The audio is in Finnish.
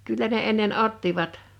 kyllä ne ennen ottivat